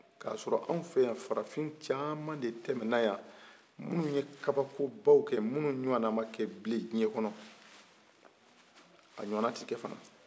ka sɔrɔ anw fɛ yan farafin caman de tɛmɛna y'an minnu ye kabakobaw kɛ n'o ɲɔna minnu ɲɔgɔn na ma kɛ bilen diɲɛ kɔnɔ